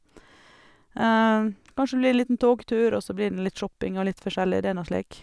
Kanskje det blir en liten togtur, og så blir det nå litt shopping og litt forskjellig, det er nå slik.